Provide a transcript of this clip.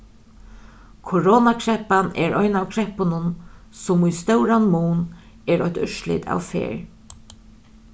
koronakreppan er ein av kreppunum sum í stóran mun er eitt úrslit av ferð